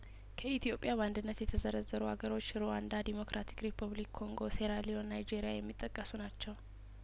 ከኢትዮጵያ በአንድነት የተዘረዘሩ አገሮች ሩዋንዳ ዲሞክራቲክ ሪፐብሊክ ኮንጐ ሴራሊዮን ናይጄሪያ የሚጠቀሱ ናቸው